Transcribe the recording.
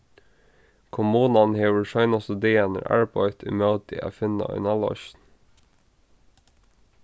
kommunan hevur seinastu dagarnar arbeitt ímóti at finna eina loysn